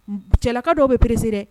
Cɛlaka dɔw bɛ peresiri dɛ